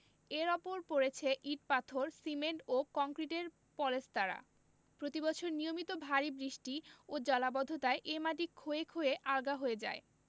এর ওপর পড়েছে ইট পাথর সিমেন্ট ও কংক্রিটের পলেস্তারা প্রতিবছর নিয়মিত ভারি বৃষ্টি ও জলাবদ্ধতায় এই মাটি ক্ষয়ে ক্ষয়ে আলগা হয়ে যায়